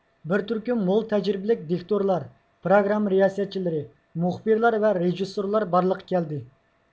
بىر تۈركۈم مول تەجرىبىلىك دىكتورلار پروگرامما رىياسەتچىلىرى مۇخبىرلار ۋە رېژىسسورلار بارلىققا كەلدى